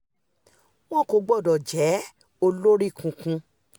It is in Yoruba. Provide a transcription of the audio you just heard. Wọn kò gbọdọ̀ jẹ́ olórikunkun.